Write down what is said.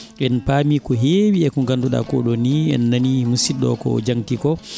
en paami ko heewi eko ngannduɗaa koɗoni en nani musiɗɗo ko jangti ko